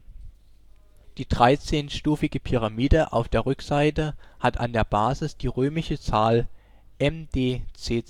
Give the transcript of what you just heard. Die 13-stufige Pyramide auf der Rückseite hat an der Basis die römische Zahl MDCCLXXVI